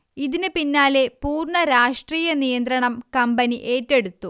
ഇതിന് പിന്നാലെ പൂർണ്ണ രാഷ്ട്രീയ നിയന്ത്രണം കമ്പനി ഏറ്റെടുത്തു